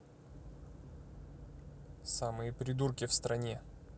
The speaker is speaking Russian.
самые придурки в стране